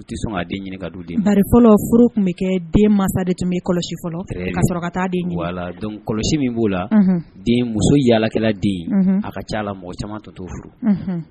Furu tun bɛ kɛ den mansa de tun kɔlɔsi fɔlɔ ka sɔrɔkata de a la don kɔlɔsi min b'o la den muso yaalakɛla den a ka ca la mɔgɔ caman to to furu